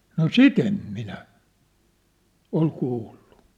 no sitä en minä ole kuullut